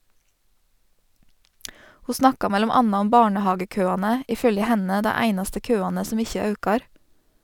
Ho snakka mellom anna om barnehagekøane, i følgje henne dei einaste køane som ikkje aukar.